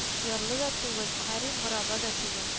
Ярлы да түгел, гарип-гораба да түгел